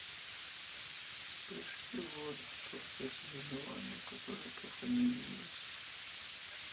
прыжки в воду в токио соревнований которые проходили веса